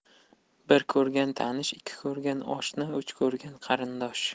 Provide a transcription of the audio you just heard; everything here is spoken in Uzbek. bir ko'rgan tanish ikki ko'rgan oshna uch ko'rgan qarindosh